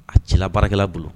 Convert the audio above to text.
A cɛla baarakɛla bolo